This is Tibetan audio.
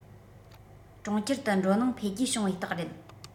གྲོང ཁྱེར དུ འགྲོ ནང འཕེལ རྒྱས བྱུང བའི རྟགས རེད